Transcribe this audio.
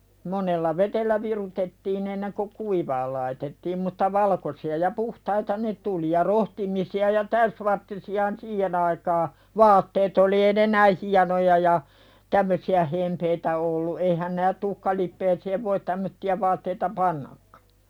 monella vedellä virutettiin ennen kuin kuivamaan laitettiin mutta valkoisia ja puhtaita ne tuli ja rohtimisia ja täysvartisiahan siihen aikaa vaatteet oli ei ne näin hienoja ja tämmöisiä hempeitä ollut eihän - tuhkalipeään voi tämmöisiä vaatteita pannakaan